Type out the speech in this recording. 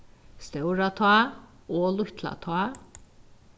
stóratá og lítlatá